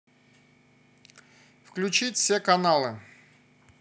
включить все каналы